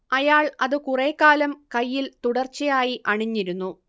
അയാൾ അത് കുറേക്കാലം കൈയ്യിൽ തുടർച്ചയായി അണിഞ്ഞിരുന്നു